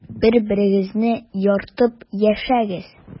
Бер-берегезне яратып яшәгез.